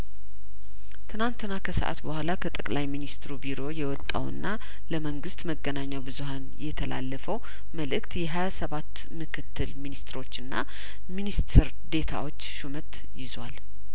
ትናንትና ከሰአት በኋላ ከጠቅላይ ሚንስትሩ ቢሮ የወጣውና ለመንግስት መገናኛ ብዙሀን የተላለፈው መልእክት የሀያሰባት ምክትል ሚኒስትሮችና ሚኒስቴር ዴታዎች ሹመት ይዟል